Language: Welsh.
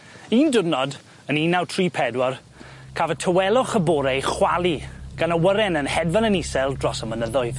Un diwrnod yn un naw tri pedwar cafodd tawelwch y bore 'i chwalu gan awyren yn hedfan yn isel dros y mynyddoedd.